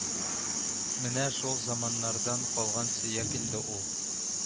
Менә шул заманнардан калган сөяк инде ул